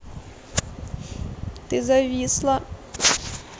ты зависла